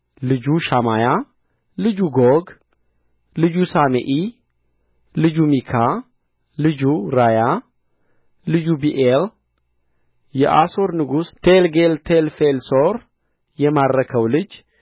ልጁ ሸማያ ልጁ ጎግ ልጁ ሰሜኢ ልጁ ሚካ ልጁ ራያ ልጁ ቢኤል የአሦር ንጉሥ ቴልጌልቴልፌልሶር የማረከው ልጁ